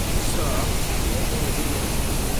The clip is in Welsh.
So... Deuda stori sydyn.